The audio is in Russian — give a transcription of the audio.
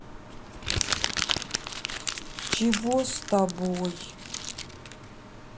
чего с тобой